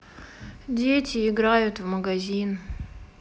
дети играют в магазин